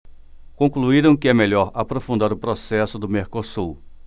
concluíram que é melhor aprofundar o processo do mercosul